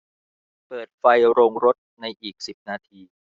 เปิดไฟโรงรถในอีกสิบนาที